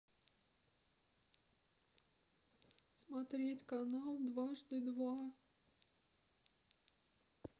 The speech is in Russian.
смотреть канал дважды два